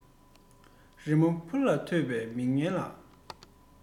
གཏམ བཟང འཁྱེར ནས སོང ཞིག ཕ ཡི བུ